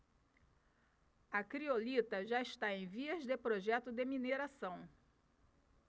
a criolita já está em vias de projeto de mineração